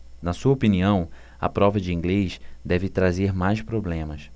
na sua opinião a prova de inglês deve trazer mais problemas